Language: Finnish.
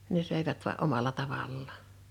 ne söivät vain omalla tavallaan